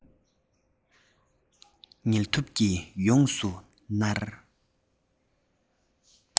ངལ དུབ ཀྱིས ཡོངས སུ མནར